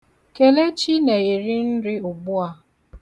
Kelechi na-eri nri ugbu a.